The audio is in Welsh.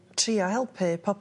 trio helpu